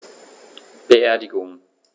Beerdigung